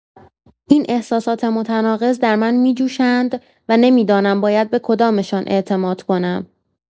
این احساسات متناقض در من می‌جوشند و نمی‌دانم باید به کدامشان اعتماد کنم.